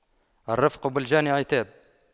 الرفق بالجاني عتاب